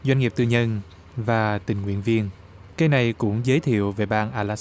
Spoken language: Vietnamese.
doanh nghiệp tư nhân và tình nguyện viên cây này cũng giới thiệu về bang a la